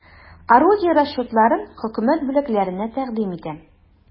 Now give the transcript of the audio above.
Орудие расчетларын хөкүмәт бүләкләренә тәкъдим итәм.